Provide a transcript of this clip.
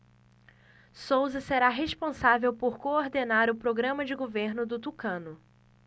souza será responsável por coordenar o programa de governo do tucano